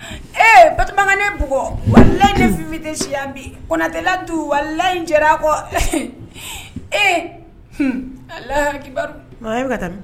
Ee bakan bugɔ wa la ffin tɛ si bi kotɛla don walilayi in jɛra ko e lahaki ka tɛmɛ